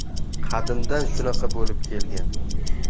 qadimdan shunaqa bo'lib kelgan